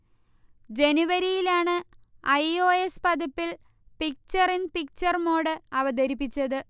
ജനുവരിയിലാണ് I. O. S. പതിപ്പിൽ picture in picture mode അവതരിപ്പിച്ചത്